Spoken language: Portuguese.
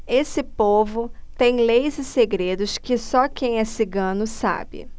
esse povo tem leis e segredos que só quem é cigano sabe